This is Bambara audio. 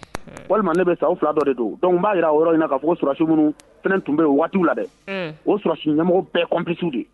Walima ne bɛ sa u fila dɔ de don dɔnku b'a jira yɔrɔ in k'a fɔ surasiw minnu fana tun bɛ yen waati la dɛ o susi ɲɛmɔgɔ bɛɛɔnpsu de